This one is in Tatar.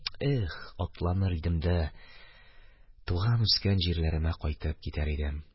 Их, атланыр идем дә туган-үскән җирләремә кайтып китәр идем.